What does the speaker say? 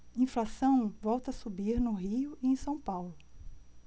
inflação volta a subir no rio e em são paulo